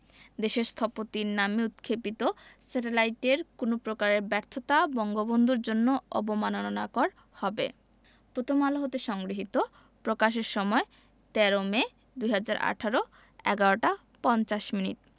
দেশের স্থপতির নামে উৎক্ষেপিত স্যাটেলাইটের কোনো প্রকারের ব্যর্থতা বঙ্গবন্ধুর জন্য অবমাননাকর হবে প্রথম আলো হতে সংগৃহীত প্রকাশের সময় ১৩ মে ২০১৮ ১১ টা ৫০ মিনিট